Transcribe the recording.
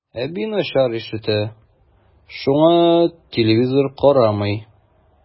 Әби начар ишетә, шуңа телевизор карамый.